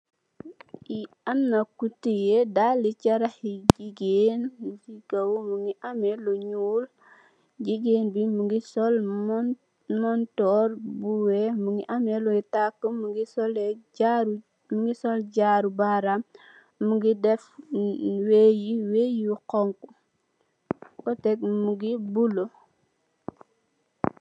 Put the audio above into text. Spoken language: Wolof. Li amna ko tiye daali cxarax yi jigeen si kaw mongi ame lu nuul jigeen bi mongi sol monturr bu weex mongi ame loi tata mongi sol jaaru baram mongi def wee wee yi xonxu fum ko tek mongi bulu.